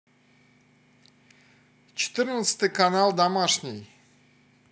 четырнадцатый канал домашний